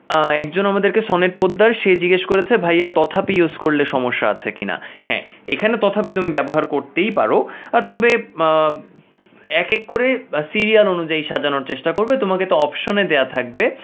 একজন আমাদেরকে সনেট পোদ্দার আমাদের কে জিজ্ঞেস করেছে ভাইয়া তথাপি ইউজ করলে সমস্যা আছে কিনা এখানে তথাপি তুমি ব্যবহার করতেই পারো তবে এক এক করে সিরিয়াল অনুযায়ী সাজানোর চেষ্টা করবে তোমাকে তো অপশনে দেয়া থাকবে